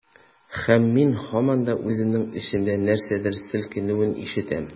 Һәм мин һаман да үземнең эчемдә нәрсәдер селкенүен ишетәм.